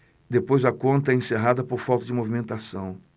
depois a conta é encerrada por falta de movimentação